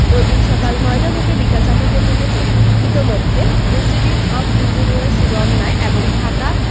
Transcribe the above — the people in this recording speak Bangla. ওইদিন সকাল ৯টা থেকে বিকেল ৪টা পর্যন্ত চলবে ইতোমধ্যে ইন্সটিটিউট অব ইঞ্জিনিয়ার্স রমনায় এবং ঢাকা